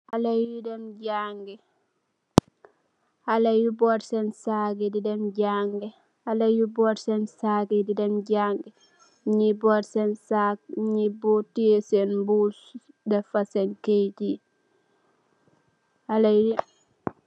Xalèh yi bót sèèn sak di dem jangii, ñii bót sèèn sak yi, ñii teyeh sèèn mbus teffa sèèn kayit yi.